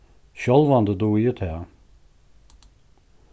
sjálvandi dugi eg tað